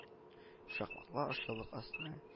Шакмаклы ашъяулык астына